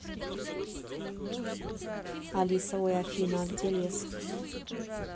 алиса ой афина а где лес